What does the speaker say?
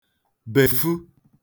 bèfu